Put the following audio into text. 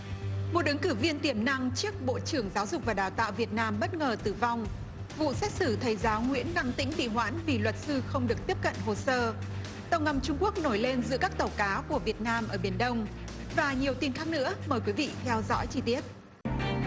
một ứng cử viên tiềm năng chức bộ trưởng giáo dục và đào tạo việt nam bất ngờ tử vong vụ xét xử thầy giáo nguyễn đăng tĩnh bị hoãn vì luật sư không được tiếp cận hồ sơ tàu ngầm trung quốc nổi lên giữa các tàu cá của việt nam ở biển đông và nhiều tin khác nữa mời quý vị theo dõi chi tiết